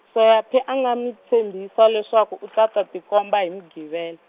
Soyaphi a nga mi tshembisa leswaku u ta ta tikomba hi Muqivela.